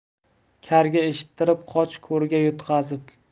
karga eshittirib qoch ko'rga tutqazib